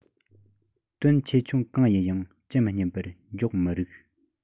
དོན ཆེ ཆུང གང ཡིན ཡང ཇི མི སྙམ པར འཇོག མི རིགས